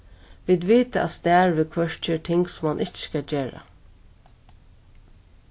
vit vita at snar viðhvørt ger ting sum hann ikki skal gera